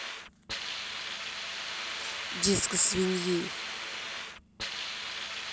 диско свиньи